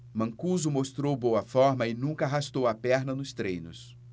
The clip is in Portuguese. mancuso mostrou boa forma e nunca arrastou a perna nos treinos